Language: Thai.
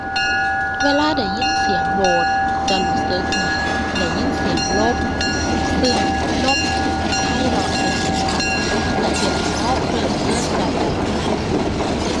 เวลาได้ยินเสียงโหวดจะรู้สึกเหมือนได้ยินเสียงลม ซึ่งลมที่มันไพเราะเป็นจังหวะ มันก็เฮ็ดให้ก็เพลิดเพลินใจได้มากขึ้น